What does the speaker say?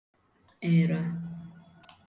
era